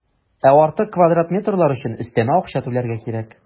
Ә артык квадрат метрлар өчен өстәмә акча түләргә кирәк.